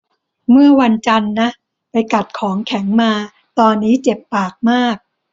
เมื่อวันจันทร์นะไปกัดของแข็งมาตอนนี้เจ็บปากมาก